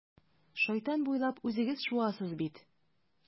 Шайтан буйлап үзегез шуасыз бит.